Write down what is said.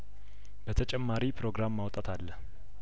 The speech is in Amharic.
በተጨማሪ ፕሮግራም ማውጣት አለ